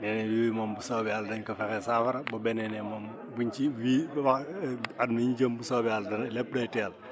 nee nañ yooyu moom bu soobee yàlla dinañ ko fexe saafara bu beneenee moom buñ ci buy souvent at miñ jëm bu soobee yàlla danañ lépp dana teel